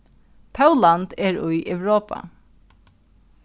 pólland er í europa